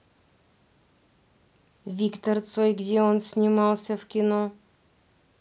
виктор цой где он снимался в кино